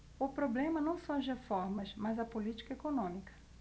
o problema não são as reformas mas a política econômica